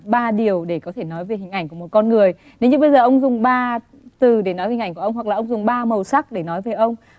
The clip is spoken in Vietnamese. ba điều để có thể nói về hình ảnh của một con người nếu như bây giờ ông dùng ba từ để nói hình ảnh của ông hoặc là ông dùng ba màu sắc để nói với ông